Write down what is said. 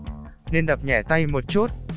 nên đập nhẹ tay một chút